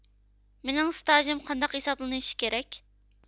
مېنىڭ سىتاژىم قانداق ھېسابلىنىشى كېرەك